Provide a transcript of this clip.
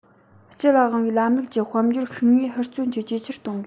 སྤྱི ལ དབང བའི ལམ ལུགས ཀྱི དཔལ འབྱོར ཤུགས དངོས ཧུར བརྩོན གྱིས ཇེ ཆེར གཏོང དགོས